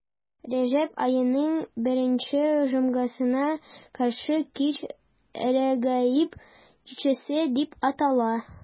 Рәҗәб аеның беренче җомгасына каршы кич Рәгаиб кичәсе дип атала.